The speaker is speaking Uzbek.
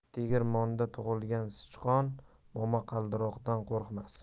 tegirmonda tug'ilgan sichqon momaqaldiroqdan qo'rqmas